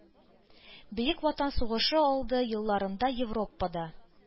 – бөек ватан сугышы алды елларында европада,